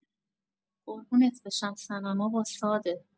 قربونت بشم صنما با صاده